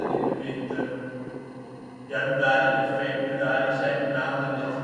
in de winter). Januari en februari zijn de maanden met